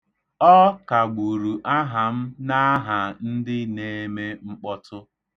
Ọ kagburu aha m n'aha ndị na-eme mkpọtụ.